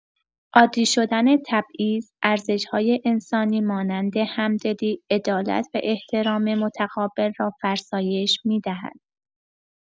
عادی شدن تبعیض، ارزش‌های انسانی مانند همدلی، عدالت و احترام متقابل را فرسایش می‌دهد.